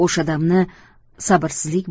o'sha damni sabrsizlik